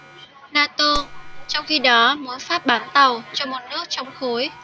nato trong khi đó muốn pháp bán tàu cho một nước trong khối